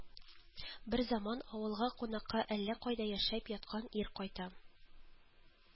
Берзаман авылга кунакка әллә кайда яшәп яткан ир кайта